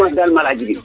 *